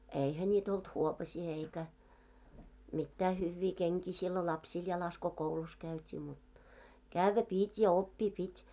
eihän niitä ollut huopasia eikä mitään hyviä kenkiä silloin lapsilla jalassa kun koulussa käytiin mutta käydä piti ja oppia piti